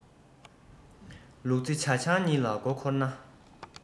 ལུག རྫི ཇ ཆང གཉིས ལ མགོ འཁོར ན